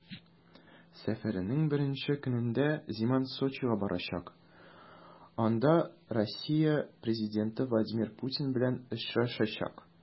Сәфәренең беренче көнендә Земан Сочига барачак, анда Россия президенты Владимир Путин белән очрашачак.